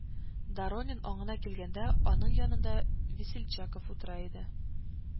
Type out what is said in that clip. Доронин аңына килгәндә, аның янында Весельчаков утыра иде